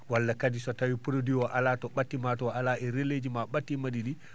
walla kadi so tawii produit o alaa to ɓatti maa taw alaa e relais ji maa ɓattimaɗi ɗi